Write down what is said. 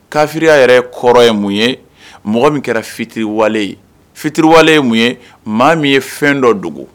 Kafiriya yɛrɛ kɔrɔ ye mun ye mɔgɔ min kɛra fitiriwale ye fitiriwalelen ye mun ye maa min ye fɛn dɔ dogo